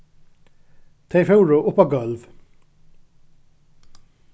tey fóru upp á gólv